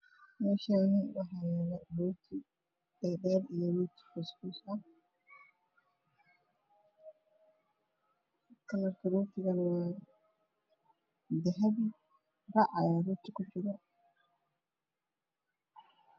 Meshani waxayalo rooti dhedher io rooti kusan kalarka rootigan waa dahbi bac aya roti kujiro